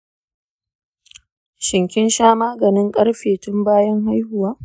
shin kin sha maganin ƙarfe tun bayan haihuwa?